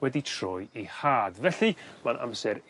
wedi troi i had felly ma'n amser